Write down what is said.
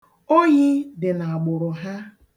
Ohi dị n'agbụrụ ha.